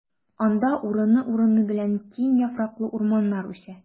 Анда урыны-урыны белән киң яфраклы урманнар үсә.